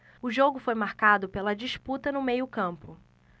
o jogo foi marcado pela disputa no meio campo